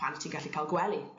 pan wt ti'n gallu ca'l gwely